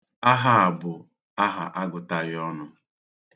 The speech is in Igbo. Aha a bụ aha agutaghi ọnụ.